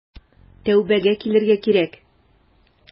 Тәүбәгә килергә кирәк.